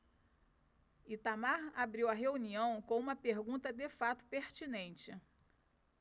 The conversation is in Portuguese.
itamar abriu a reunião com uma pergunta de fato pertinente